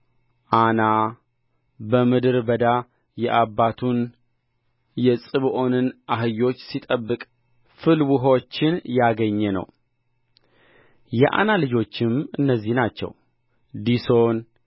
ዓና በምድረ በዳ የአባቱን የፅብዖንን አህዮች ሲጠብቅ ፍልውኆችን ያገኘ ነው የዓና ልጆችም እነዚህ ናቸው ዲሶን